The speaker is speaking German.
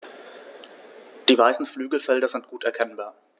Die weißen Flügelfelder sind gut erkennbar.